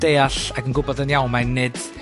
deall ac yn gwbod yn iawn mae nid